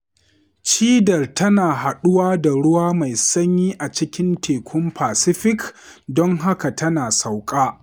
Cidar tana haɗuwa da ruwa mai sanyi a cikin tekun Pacific don haka tana sauka.